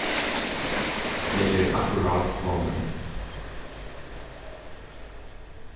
eg eri akkurát komin